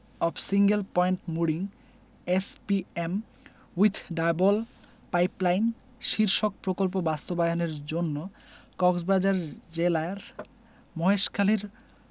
of single point mooring SPM with double pipeline শীর্ষক প্রকল্প বাস্তবায়নের জন্য কক্সবাজার জেলার মহেশখালীর